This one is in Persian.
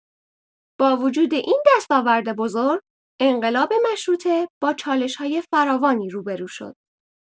با وجود این دستاورد بزرگ، انقلاب مشروطه با چالش‌های فراوانی روبه‌رو شد.